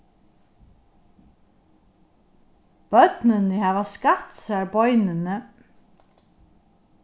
børnini hava skatt sær beinini